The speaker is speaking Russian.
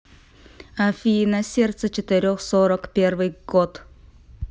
афина сердца четырех сорок первый год